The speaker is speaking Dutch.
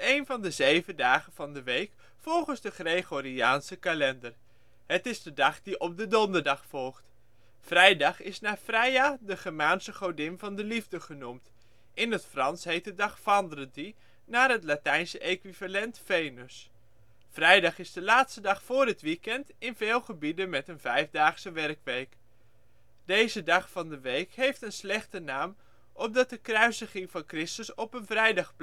een van de zeven dagen van de week volgens de Gregoriaanse kalender. Het is de dag die op de donderdag volgt. Vrijdag is naar Freya, de Germaanse godin van de liefde, genoemd. In het Frans heet de dag vendredi, naar het Latijnse equivalent, Venus. Vrijdag is de laatste dag voor het weekend in veel gebieden met een vijfdaagse werkweek. Deze dag van de week heeft een slechte naam, omdat de kruisiging van Christus op een vrijdag plaatsvond